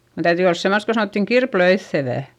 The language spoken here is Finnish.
sen täytyi olla semmoista kun sanottiin kirpelöitsevää